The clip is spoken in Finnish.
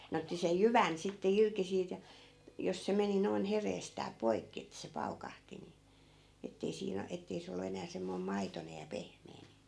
ne otti sen jyvän sitten irti siitä ja jos se meni noin hereestään poikki että se paukahti niin että ei siinä - että ei se ollut enää semmoinen maitoinen ja pehmeä niin